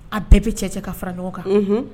A bɛɛ bɛ cɛ cɛ ka fara ɲɔgɔn kan, unhun